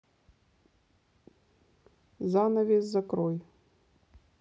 занавес закрой